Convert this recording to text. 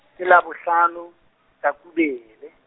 ke labohlano, Hlakubele.